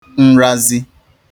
nrazi